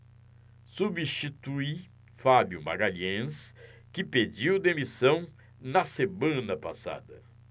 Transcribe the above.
substitui fábio magalhães que pediu demissão na semana passada